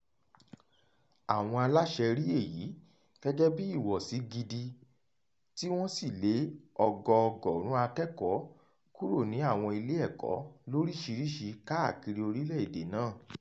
Àwọn aláṣẹ rí èyí gẹ́gẹ́ bí ìwọ̀sí gidi tí wọ́n sì lé ọgọọgọ̀rún akẹ́kọ̀ọ́ kúrò ní àwọn ilé ẹ̀kọ́ lóríṣìíríṣi káàkiri orílẹ̀-èdè náà.